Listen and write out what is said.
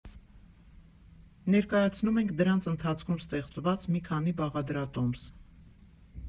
Ներկայացնում ենք դրանց ընթացքում ստեղծված մի քանի բաղադրատոմս։